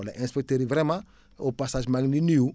wala inspecteurs yi vraiment au passage maa ngi leen di nuyu